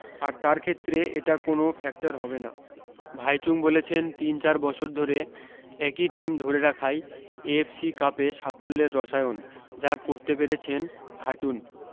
আর তার ক্ষেত্রে এটা কোনও ফ্যাক্টার হবে না ভাইচুং বলেছেন তিন চার বছর ধরে একি টিম ধরে রাখাই এএফসি কাপে সাফল্যের রসায়ন যা করতে পেরেছেন হাটুন